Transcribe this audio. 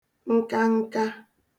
nkanka